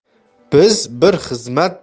biz bir xizmat